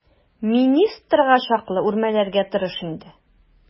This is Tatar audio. Министрга чаклы үрмәләргә тырыш инде.